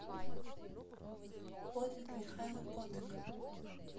подвиг михайло потык